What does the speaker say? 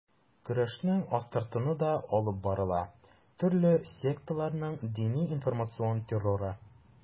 Көрәшнең астыртыны да алып барыла: төрле секталарның дини-информацион терроры.